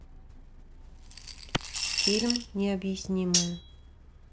фильм необъяснимое